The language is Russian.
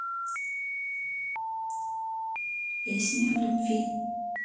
песни о любви